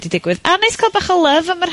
...'di digwydd. A neis ca'l bach o love am yr...